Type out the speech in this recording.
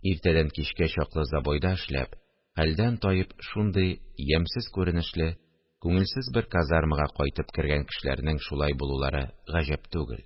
Иртәдән кичкә чаклы забойда эшләп, хәлдән таеп, шундый ямьсез күренешле, күңелсез бер казармага кайтып кергән кешеләрнең шулай булулары гаҗәп түгел